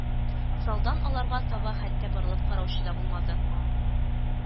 Залдан аларга таба хәтта борылып караучы да булмады